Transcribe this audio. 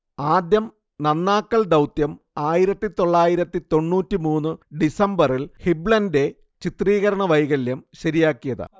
ആദ്യ നന്നാക്കൽ ദൗത്യം ആയിരത്തി തൊള്ളായിരത്തി തൊണ്ണൂറ്റി മൂന്ന് ഡിസംബറിൽ ഹിബ്ലന്‍റെ ചിത്രീകരണ വൈകല്യം ശരിയാക്കിയതാണ്